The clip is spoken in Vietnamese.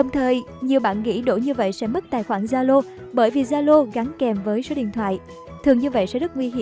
đồng thời nhiều bạn nghĩ đổi như vậy là sẽ mất tài khoản zalo bởi vì zalo nó gắn kèm với số điện thoại thường như vậy sẽ rất nguy hiểm